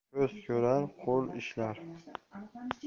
ko'z ko'rar qo'l ishlar